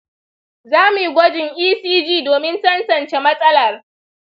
za mu yi gwajin ecg domin tantance matsalar.